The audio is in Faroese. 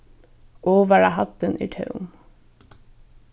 ovara hæddin er tóm